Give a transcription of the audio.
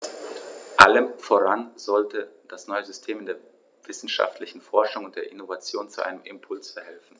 Allem voran sollte das neue System der wissenschaftlichen Forschung und der Innovation zu einem Impuls verhelfen.